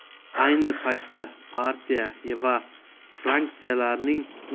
ayni paytda partiya va fraksiyalarning